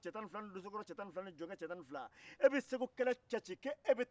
a sunkalo makɔnɔ furu ninnu sunkalo tɛ sa ka caman sabali to ye yɛrɛ